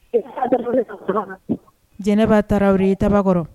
Jɛnɛba Tarawele Tabakɔrɔ